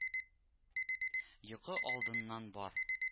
—йокы алдыннан бар